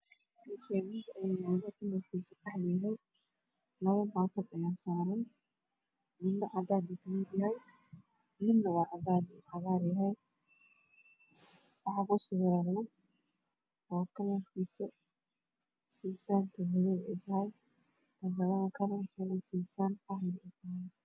Meshan mis ayaa yala cadan ah laba bakad ayaa saran midka cagar ayahy midna cadan iyo sigsan madow ah